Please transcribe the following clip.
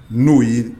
N'o ye